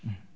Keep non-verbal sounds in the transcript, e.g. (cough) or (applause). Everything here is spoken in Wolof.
(hesitation) (hesitation)